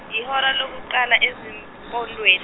yihora lokuqala ezimpondweni.